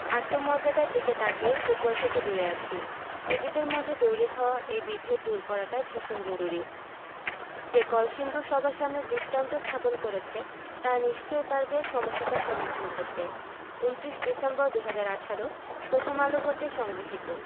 আত্মমর্যাদার দিকে তাকিয়ে ফুটবল থেকে দূরে আছি নিজেদের মধ্যে তৈরি হওয়া এই বিভেদ দূর করাটা ভীষণ জরুরি যে কলসিন্দুর সবার সামনে দৃষ্টান্ত স্থাপন করেছে তারা নিশ্চয়ই পারবে সমস্যাটার সমাধান করতে ২৯ ডিসেম্বর ২০১৮ প্রথম আলো হতে সংগৃহীত